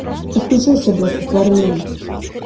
включайся блядь тупорылый